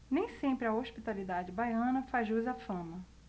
nem sempre a hospitalidade baiana faz jus à fama